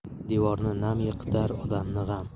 devorni nam yiqitar odamni g'am